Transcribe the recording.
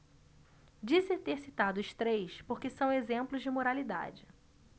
disse ter citado os três porque são exemplos de moralidade